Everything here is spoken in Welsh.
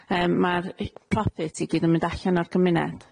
yym ma'r h- profit i gyd yn mynd allan o'r gymuned.